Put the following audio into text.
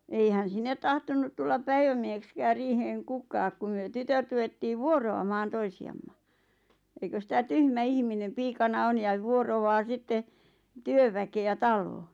eihän sinne tahtonut tulla päivämieheksikään riiheen kukaan kun me tytöt ruvettiin vuoroamaan toisiamme eikös sitä tyhmä ihminen piikana on ja vuoroaa sitten työväkeä taloon